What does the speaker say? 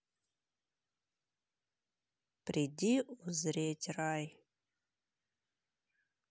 приди узреть рай